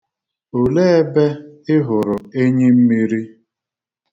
Olee ebe ị hụrụ enyimmiri?